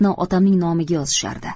otamning nomiga yozishardi